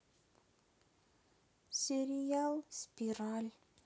сериал спираль